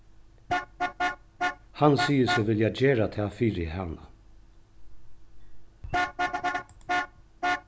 hann sigur seg vilja gera tað fyri hana